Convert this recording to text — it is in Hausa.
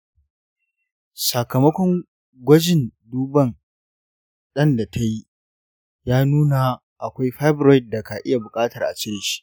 sakamakon gwajin duban dan tayi ya nuna akwai fibroid da ka iya buƙatar a cire shi.